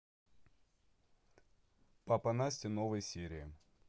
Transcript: папа настя новые серии